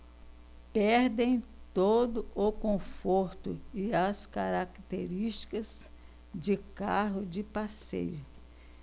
perdem todo o conforto e as características de carro de passeio